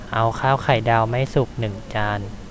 เอาข้าวไข่ดาวไม่สุกหนึ่งจาน